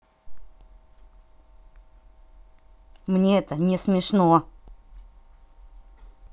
мне это не смешно